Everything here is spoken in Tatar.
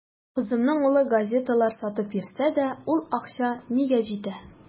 Кызымның улы газеталар сатып йөрсә дә, ул акча нигә җитә.